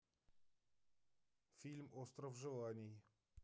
фильм остров желаний